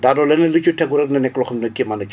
daa doon leneen lu ci tegu rek na nekk loo xam ne kéemaan la ci